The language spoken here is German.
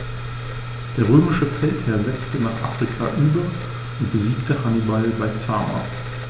Der römische Feldherr setzte nach Afrika über und besiegte Hannibal bei Zama.